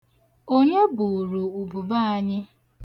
Onye buuru ubube anyị?